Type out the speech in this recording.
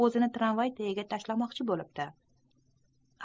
o'zini tramvay tagiga tashlamoqchi bo'pti